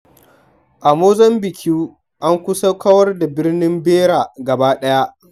A Mozambique, an kusa kawar da birnin Beira gaba ɗaya.